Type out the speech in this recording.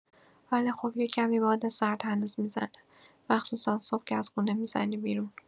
ولی خب یه کمی باد سرد هنوز می‌زنه، مخصوصا صبح که از خونه می‌زنی بیرون.